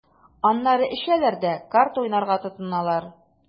Аннары эчәләр дә карта уйнарга тотыналар.